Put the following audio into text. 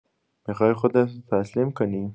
می‌خوای خودت رو تسلیم کنی؟